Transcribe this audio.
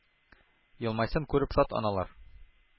Елмайсын күреп шат аналар,